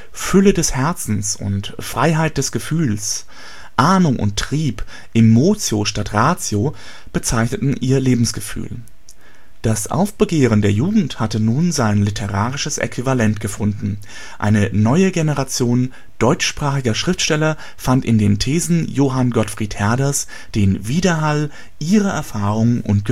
Fülle des Herzens ' und Freiheit des Gefühls, Ahnung und Trieb, emotio statt ratio bezeichneten ihr Lebensgefühl. Das Aufbegehren der Jugend hatte nun sein literarisches Äquivalent gefunden, eine neue Generation deutschsprachiger Schriftsteller fand in den Thesen Johann Gottfried Herders den Widerhall ihrer Erfahrungen und